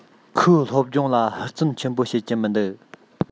ཁོས སློབ སྦྱོང ལ ཧུར བརྩོན ཆེན པོ བྱེད ཀྱི མི འདུག